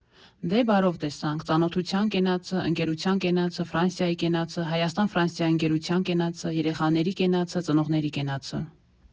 Դե, բարով տեսանք, ծանոթության կենացը, ընկերության կենացը, Ֆրանսիայի կենացը, Հայաստան֊Ֆրանսիա ընկերության կենացը, երեխաների կենացը, ծնողների կենացը…